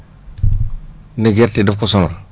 ne gerte daf ko sonal